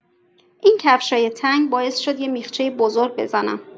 این کفشای تنگ باعث شد یه میخچه بزرگ بزنم!